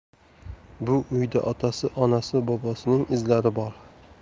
bu uyda otasi onasi bobosining izlari bor